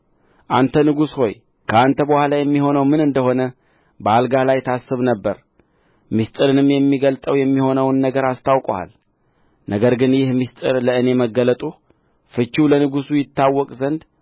አንተ ንጉሥ ሆይ ከአንተ በኋላ የሚሆነው ምን እንደ ሆነ በአልጋህ ላይ ታስብ ነበር ምሥጢርንም የሚገልጠው የሚሆነውን ነገር አስታውቆሃል ነገር ግን ይህ ምሥጢር ለእኔ መገለጡ ፍቺው ለንጉሡ ይታወቅ ዘንድ